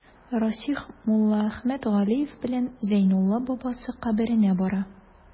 Расих Муллаәхмәт Галиев белән Зәйнулла бабасы каберенә бара.